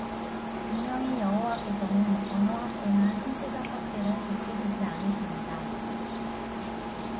분명히 여호와께서는 언어 학대나 신체적 학대를 좋게 보지 않으십니다